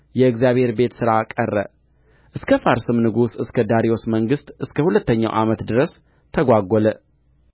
የእግዚአብሔር ቤት ሥራ ቀረ እስከ ፋርስም ንጉሥ እስከ ዳርዮስ መንግሥት እስከ ሁለተኛው ዓመት ድረስ ተጓጐለ